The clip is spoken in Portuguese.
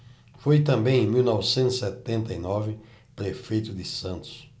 foi também em mil novecentos e setenta e nove prefeito de santos